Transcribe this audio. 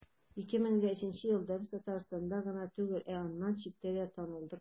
2003 елда без татарстанда гына түгел, ә аннан читтә дә танылдык.